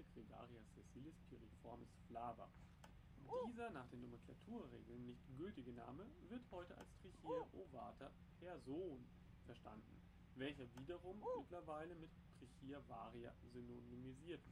gregaria sessilis, piriformis flava. Dieser nach den Nomenklaturregeln nicht gültige Name wird heute als Trichia ovata Persoon verstanden, welcher wiederum mittlerweile mit Trichia varia synonymisiert